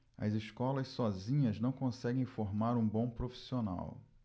as escolas sozinhas não conseguem formar um bom profissional